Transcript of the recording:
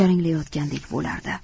jaranglayotgandek bo'lardi